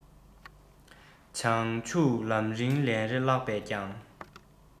བྱང ཆུབ ལམ རིམ ལན རེ བཀླགས པས ཀྱང